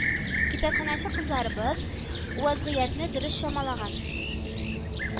Китапханәче кызларыбыз вазгыятьне дөрес чамалаган